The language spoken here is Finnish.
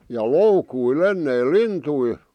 ja loukuilla ennen lintuja